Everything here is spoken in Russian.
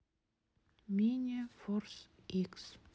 мини форс икс